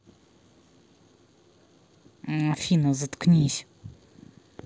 афина заткнись